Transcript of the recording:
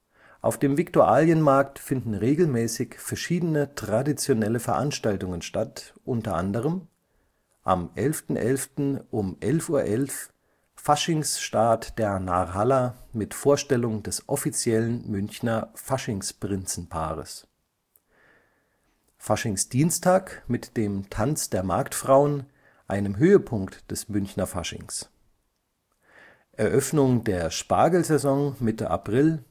Auf dem Viktualienmarkt finden regelmäßig verschiedene traditionelle Veranstaltungen statt, unter anderem: 11.11 11:11 Uhr Faschingsstart der Narrhalla mit Vorstellung des offiziellen Münchner Faschingsprinzenpaares Faschingsdienstag mit dem Tanz der Marktfrauen, einem Höhepunkt des Münchner Faschings. Eröffnung der Spargelsaison (Mitte April